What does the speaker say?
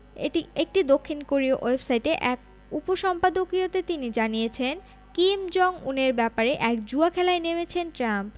এটি একটি দক্ষিণ কোরীয় ওয়েবসাইটে এক উপসম্পাদকীয়তে তিনি জানিয়েছেন কিম জং উনের ব্যাপারে এক জুয়া খেলায় নেমেছেন ট্রাম্প